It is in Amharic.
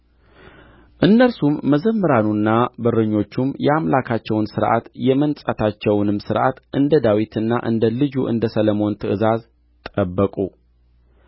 እነርሱም መዘምራኑና በረኞቹም የአምላካቸውን ሥርዓት የመንጻታቸውንም ሥርዓት እንደ ዳዊትና እንደ ልጁ እንደ ሰሎሞን ትእዛዝ ጠበቁ